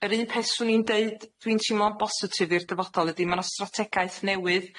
Yr un peth swn i'n deud dwi'n teimlo'n bositif i'r dyfodol ydi ma' 'na strategaeth newydd